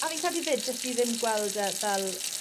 A fi'n credu 'fyd jyst i ddim gweld e fel